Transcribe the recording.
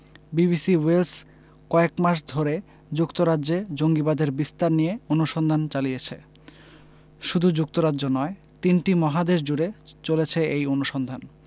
BBC Wales কয়েক মাস ধরে যুক্তরাজ্যে জঙ্গিবাদের বিস্তার নিয়ে অনুসন্ধান চালিয়েছে শুধু যুক্তরাজ্য নয় তিনটি মহাদেশজুড়ে চলেছে এই অনুসন্ধান